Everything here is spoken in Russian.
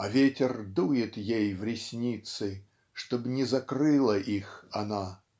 А ветер дует ей в ресницы Чтоб не закрыла их она.